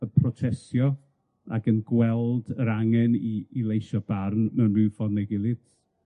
y protestio ac yn gweld yr angen i i leisio barn mewn ryw ffor neu gilydd,